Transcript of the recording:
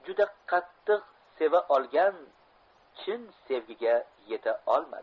juda qattiq seva olgan chin sevgiga yeta olmas